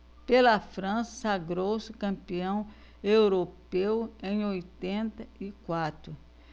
pela frança sagrou-se campeão europeu em oitenta e quatro